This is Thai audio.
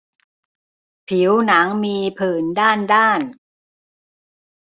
ผิวหนังมีผื่นด้านด้าน